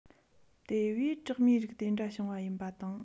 དེ བས གྲོག མའི རིགས དེ འདྲ བྱུང བ ཡིན པ དང